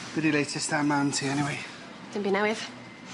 Be'r 'di'r latest am mam ti eniwe? Dim by' newydd.